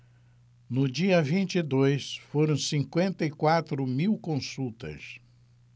no dia vinte e dois foram cinquenta e quatro mil consultas